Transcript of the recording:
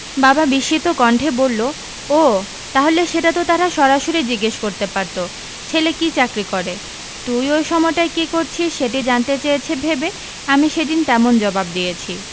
বাবা বিস্মিত কণ্ঠে বলল ও তাহলে সেটা তো তারা সরাসরি জিজ্ঞেস করতে পারত ছেলে কী চাকরি করে তুই ওই সময়টায় কী করছিস সেটি জানতে চেয়েছে ভেবে আমি সেদিন তেমন জবাব দিয়েছি